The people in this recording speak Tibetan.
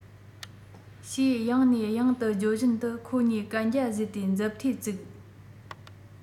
ཞེས ཡང ནས ཡང དུ བརྗོད བཞིན དུ ཁོ གཉིས གན རྒྱ བཟོས ཏེ མཛུབ ཐེལ བཙུགས